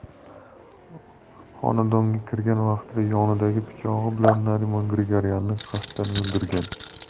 xonadonga kirgan vaqtida yonidagi pichog'i bilan narimon grigoryanni qasddan o'ldirgan